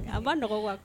A ma nɔgɔn quoi